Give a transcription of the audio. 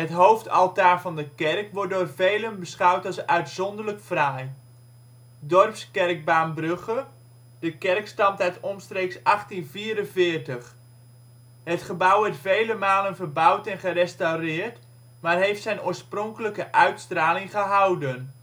hoofdaltaar van de kerk wordt door velen beschouwd als uitzonderlijk fraai. Dorpskerk Baambrugge, De kerk stamt uit omstreeks 1844. Het gebouw werd vele malen verbouwd en gerestaureerd, maar heeft zijn oorspronkelijke uitstraling gehouden